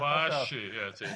washi ie ti.